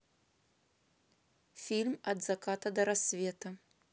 фильм от заката до рассвета